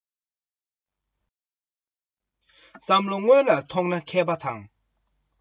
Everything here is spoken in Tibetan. རྐྱེན རྩ མདུན དུ ལྷག པ སུས ཀྱང མཐོང